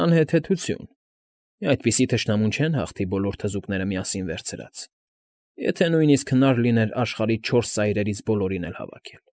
Անհեթեթություն… Այդպիսի թշնամուն չեն հաղթի բոլոր թզուկները միասին վերցրած, եթե նույնիսկ հնար լիներ աշխարհի չորս ծայրերից բոլորին էլ հավաքել։